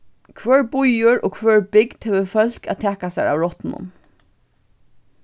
hvør býur og hvør bygd hevur fólk at taka sær av rottunum